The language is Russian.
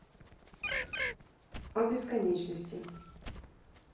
о бесконечности